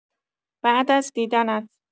بعد از دیدنت